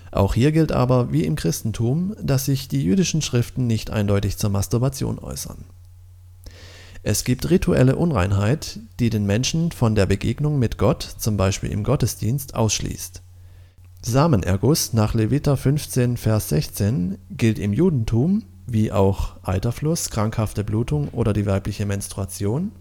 Auch hier gilt aber, wie im Christentum, dass sich die jüdischen Schriften nicht eindeutig zur Masturbation äußern. Es gibt rituelle Unreinheit, die den Menschen von der Begegnung mit Gott (z. B. im Gottesdienst) ausschließt. Samenerguss nach Lev 15,16 LUT gilt im Judentum (wie auch Eiterfluss, krankhafte Blutung oder die weibliche Menstruation